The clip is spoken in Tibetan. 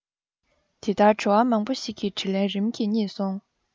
དེ ལྟར དྲི བ མང པོ ཞིག གི དྲིས ལན རིམ གྱིས རྙེད སོང